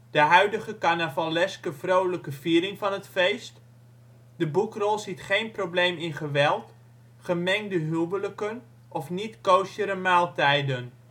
de huidige carnavaleske/vrolijke viering van het feest; de boekrol ziet geen probleem in geweld, gemengde huwelijken of niet-koosjere maaltijden